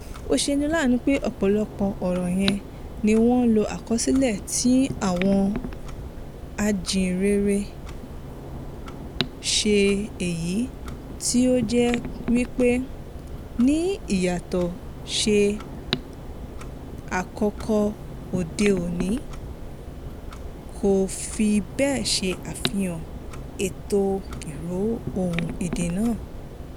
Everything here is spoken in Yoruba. Ó ṣeni láàánú, pé ọ̀pọ̀lọpọ̀ ọ̀rọ̀ yẹn ni wọ́n lo àkọsílẹ̀ tí àwọn ajíìnrere ṣe èyí tí ó jẹ́ wípé, ní ìyàtọ̀ sí àkọ́kọ́ òde òní, kò fi bẹ́ẹ̀ ṣe àfihàn ètò ìró ohùn èdè náà.